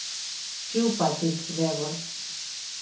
djúpagilsvegur